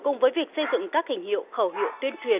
cùng với việc xây dựng các hình hiệu khẩu hiệu tuyên truyền